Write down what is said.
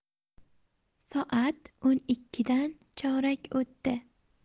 soat o'n ikkidan chorak o'tdi